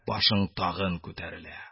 Башың тагы күтәрелә.